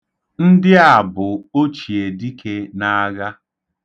Ndị a bụ ochiedike n'agha.